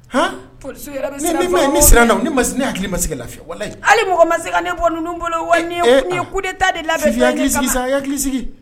H p min siran na ni ma ne' hakili ma lafi wala hali mɔgɔ ma se ka ne bɔ n bolo wali ye ne ta de labɛn hakili sigi